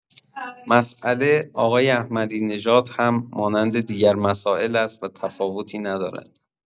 مساله آقای احمدی‌نژاد هم مانند دیگر مسائل است و تفاوتی ندارد.